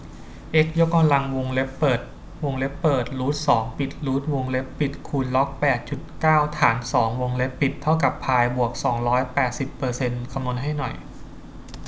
เอ็กซ์ยกกำลังวงเล็บเปิดวงเล็บเปิดรูทสองจบรูทวงเล็บปิดคูณล็อกแปดจุดเก้าฐานสองวงเล็บปิดเท่ากับพายบวกสองร้อยแปดสิบเปอร์เซ็นต์คำนวณให้หน่อย